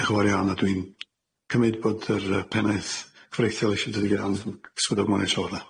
Diolch yn fawr iawn a dwi'n cymryd bod yr yy pennaeth cyfreithiol eisiau dod i fewn an- swyddog monitro.